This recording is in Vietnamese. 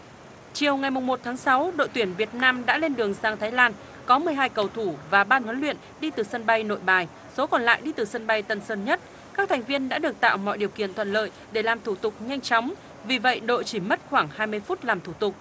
chiều ngày mồng một tháng sáu đội tuyển việt nam đã lên đường sang thái lan có mười hai cầu thủ và ban huấn luyện đi từ sân bay nội bài số còn lại đi từ sân bay tân sơn nhất các thành viên đã được tạo mọi điều kiện thuận lợi để làm thủ tục nhanh chóng vì vậy đội chỉ mất khoảng hai mươi phút làm thủ tục